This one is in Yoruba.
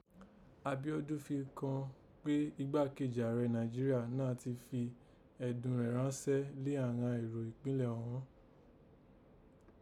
Abíọ́dún fi kọn pé igbákejì ààrẹ Nàìjíríà náà tí fi ẹ̀dùn rẹ̀ ránsẹ́ lé àghan èrò ìpínlè ọ̀ghọ́n.